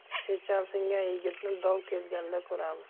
chechansingan yigitni dov kelganda ko'ramiz